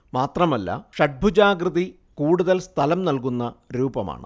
മാത്രമല്ല ഷഡ്ഭുജാകൃതി കൂടുതൽ സ്ഥലം നൽകുന്ന രൂപമാണ്